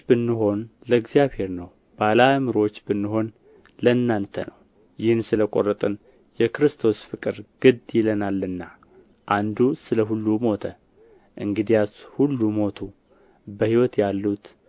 ብንሆን ለእግዚአብሔር ነው ባለ አእምሮዎች ብንሆን ለእናንተ ነው ይህን ስለቆረጥን የክርስቶስ ፍቅር ግድ ይለናልና አንዱ ስለ ሁሉ ሞተ እንግዲያስ ሁሉ ሞቱ በሕይወትም ያሉት